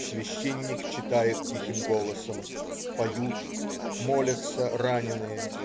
Священник читает тихим голосом. Поют. Молятся раненые.